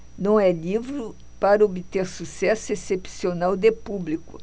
não é livro para obter sucesso excepcional de público